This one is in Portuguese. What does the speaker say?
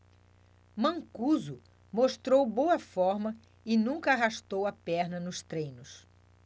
mancuso mostrou boa forma e nunca arrastou a perna nos treinos